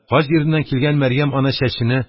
Хаҗ йиреннән килгән Мәрьям ана чәчене